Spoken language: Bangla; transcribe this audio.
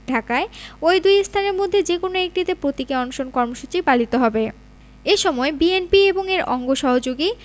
ঢাকায় ওই দুই স্থানের মধ্যে যেকোনো একটিতে প্রতীকী অনশন কর্মসূচি পালিত হবে এ সময় বিএনপি এবং এর অঙ্গ সহযোগী